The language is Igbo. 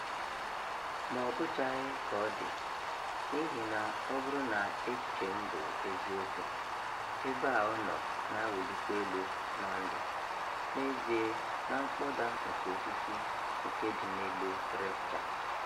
Ma ọ bụchaghị ka ọ dị, n'ihi na ọ bụrụ na echiche m bụ eziokwu, ebe a ọ nọ na-awụlikwa elu na ndụ n'ezie na mkpọda nke osisi nke dị n'elu Rekcha.